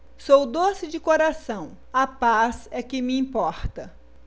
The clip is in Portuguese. sou doce de coração a paz é que me importa